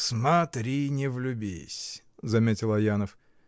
— Смотри, не влюбись, — заметил Аянов.